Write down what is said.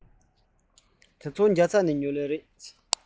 འདི ཚོ ནི རྒྱ ཚ ནས ཉོས པ ཡིན